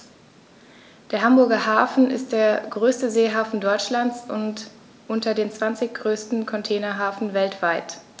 Der Hamburger Hafen ist der größte Seehafen Deutschlands und unter den zwanzig größten Containerhäfen weltweit.